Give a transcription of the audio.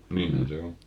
niinhän se on